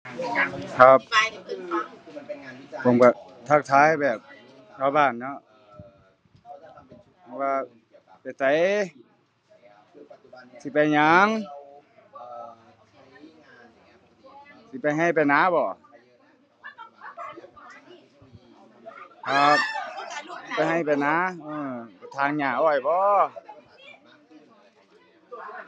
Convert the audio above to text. ครับ ผมก็ทักทายแบบชาวบ้านเนาะ ว่าไปไส สิไปหยัง สิไปก็ไปนาบ่ เอ่อ ไปก็ไปนา อื้อ ถางหญ้าเอาไว้บ่